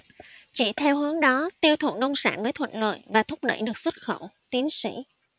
chỉ theo hướng đó tiêu thụ nông sản mới thuận lợi và thúc đẩy được xuất khẩu tiến sĩ